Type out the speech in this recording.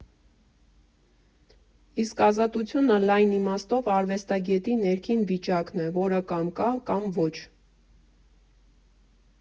Իսկ ազատությունը լայն իմաստով արվեստագետի ներքին վիճակն է, որը կամ կա, կամ ոչ»։